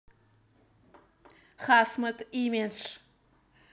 husmut имидж